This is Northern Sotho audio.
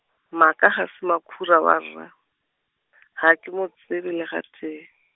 maaka ga se makhura warra , ga ke mo tsebe le gatee.